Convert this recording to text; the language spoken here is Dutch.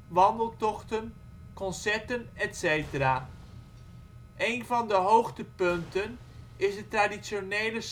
wandeltochten, concerten, etcetera. Een van de hoogtepunten is het traditionele